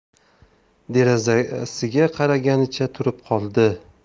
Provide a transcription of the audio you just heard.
derazasiga qaraganicha turib qoldi